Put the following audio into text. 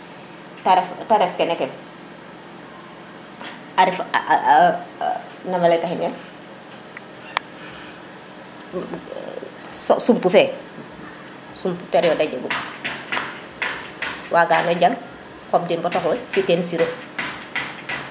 te ref kene ke a ref e% nama ley taxinel e% sup fe sump période a jegu waga no jang xob din bata xool fi teen serom